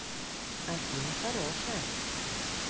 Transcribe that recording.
афина хорошая